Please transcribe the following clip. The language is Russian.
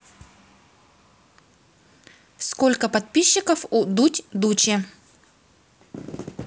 сколько подписчиков у дудь дуче